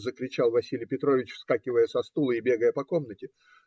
- закричал Василий Петрович, вскакивая со стула и бегая по комнате.